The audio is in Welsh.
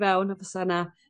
fewn a fysa 'na